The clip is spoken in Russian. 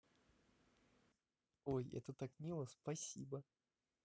ой это так мило спасибо